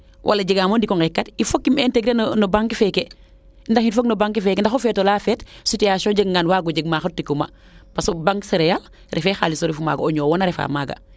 wala jegaam i ndiko ngeeke kat il faut im integrer no banque feeke ndax im fog no banque feeke ndax o feeto la feet situation jega ngaan im waago jeg maa xot ti kuuma parce que banque cereale refee ye xxalis o refu maaga o ñoowo refu maaga